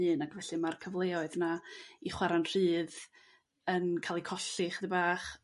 hŷn ac felly ma'r cyfleoedd 'na i chwara'n rhydd yn cael 'u colli 'ch'dig bach,